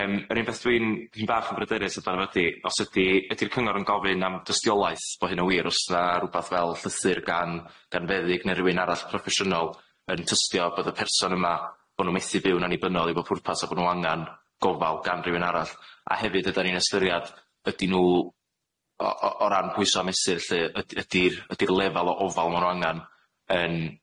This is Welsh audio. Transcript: Yym yr unig beth dwi'n dwi'n bach yn bryderus am dan y fo ydi os ydi ydi'r cyngor yn gofyn am dystiolaeth bo hynna wir os 'na rwbath fel llythyr gan gan feddyg ne' rywun arall proffesiynol yn tystio bod y person yma bo nw methu byw'n annibynnol i bo pwrpas a bo nw angan gofal gan rywun arall a hefyd ydan ni'n ystyriad ydyn nw o o o ran pwyso a mesur lly yd- ydi'r ydi'r lefel o ofal ma' nw angan yn